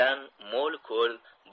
o't o'lan mo'l ko'l